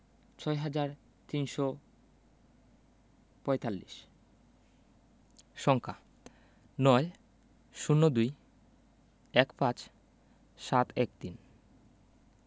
ছয় হাজার তিনশো পঁয়তাল্লিশ সংখ্যাঃ ৯ ০২ ১৫ ৭১৩